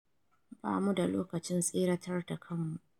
“Bamu da lokacin tseratar da kammu.